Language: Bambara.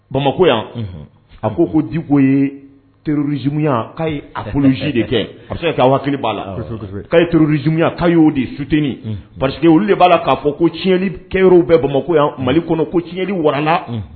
Bamakɔ yan a ko ko diko yeuruz zyan a kulusi de kɛ hakili b'a la teriuruz zmuyan y'o de sutini pa de b'a la k'a fɔ ko tiɲɛnli kɛy bɛ bamakɔko yan mali kɔnɔ ko tiɲɛnli waana